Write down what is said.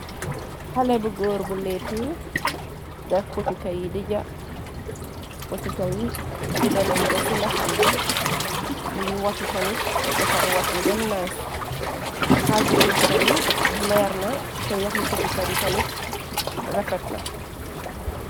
Xale bu góor bu leetu, def potika yi dija, potika yi guddanañ besi lexambe, mingi watu tamit, defar wat bi bem niyis, xaaji potika bi leerna te yaxi potika bi tamit refetna.